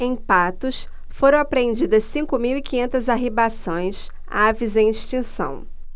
em patos foram apreendidas cinco mil e quinhentas arribaçãs aves em extinção